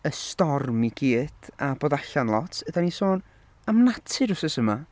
Y storm i gyd a bod allan lot dan ni'n sôn am natur wythnos yma.